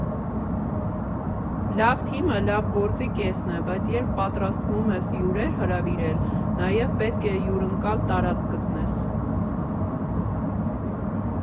Լավ թիմը լավ գործի կեսն է, բայց երբ պատրաստվում ես հյուրեր հրավիրել, նաև պետք է հյուրընկալ տարածք գտնես։